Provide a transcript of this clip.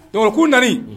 k'u nali